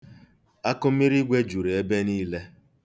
Akụmirigwe juru ebe niile.